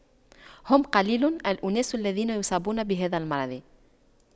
هم قليل الأناس الذين يصابون بهذا المرض